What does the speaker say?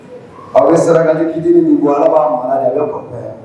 A bɛ sarakadi ala ma kɔ